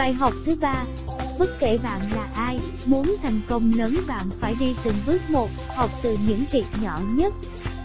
bài học thứ bất kể bạn là ai muốn thành công lớn bạn phải đi từng bước một học từ những việc nhỏ nhất